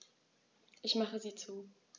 Ich mache sie zu.